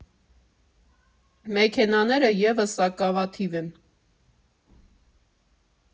Մեքենաները ևս սակավաթիվ են։